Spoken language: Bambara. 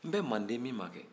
n be manden min ma kɛ